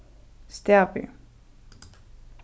stavir